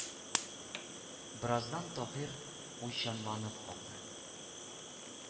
Бераздан Таһир уйчанланып калды